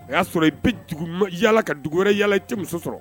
O y'a sɔrɔ i bɛ dugu yalala ka dugu wɛrɛ yaa cɛ muso sɔrɔ